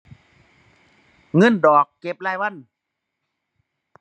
เงินดอกเก็บรายวัน